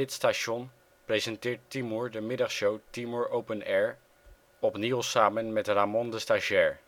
station presenteert Timur de middagshow Timur Open Air, opnieuw samen met Rámon de Stagiair